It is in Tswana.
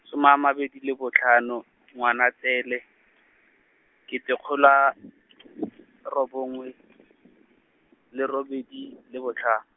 soma a mabedi le botlhano, Ngwanatsele, kete kgolo a , robongwe, le robedi, le botlha.